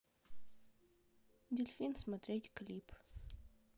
дельфин смотреть клип